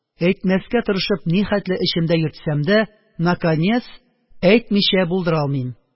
Әйтмәскә тырышып нихәтле эчемдә йөртсәм дә, наконец, әйтмичә булдыра алмыйм: